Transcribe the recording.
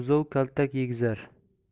buzov kaltak yegizar